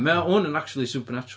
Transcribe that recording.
Mi oedd hwn yn acshyli supernatural.